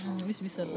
wis wisal la